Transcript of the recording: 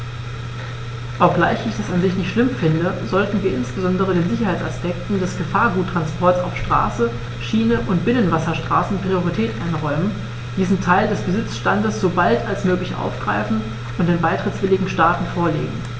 Obgleich ich das an sich nicht schlimm finde, sollten wir insbesondere den Sicherheitsaspekten des Gefahrguttransports auf Straße, Schiene und Binnenwasserstraßen Priorität einräumen, diesen Teil des Besitzstands so bald als möglich aufgreifen und den beitrittswilligen Staaten vorlegen.